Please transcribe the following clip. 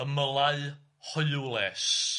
'Ymylau hoywles'.